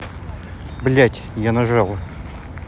блядь я нажала